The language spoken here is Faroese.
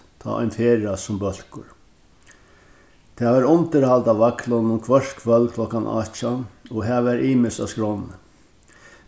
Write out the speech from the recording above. tá ein ferðast sum bólkur tað var undirhald á vaglinum hvørt kvøld klokkan átjan og har var ymiskt á skránni